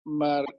ma'r